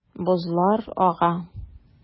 Бозлар ага.